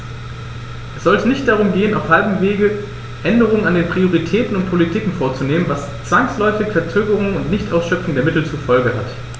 Es sollte nicht darum gehen, auf halbem Wege Änderungen an den Prioritäten und Politiken vorzunehmen, was zwangsläufig Verzögerungen und Nichtausschöpfung der Mittel zur Folge hat.